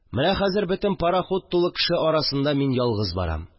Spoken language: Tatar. Менә хәзер бөтен пароход тулы кеше арасында мин ялгыз барам